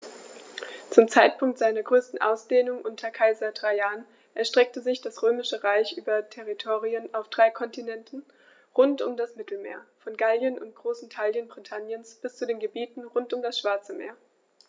Zum Zeitpunkt seiner größten Ausdehnung unter Kaiser Trajan erstreckte sich das Römische Reich über Territorien auf drei Kontinenten rund um das Mittelmeer: Von Gallien und großen Teilen Britanniens bis zu den Gebieten rund um das Schwarze Meer.